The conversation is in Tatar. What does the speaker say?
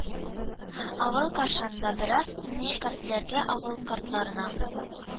Авыл кашын да бераз нечкәртәләр авыл картларының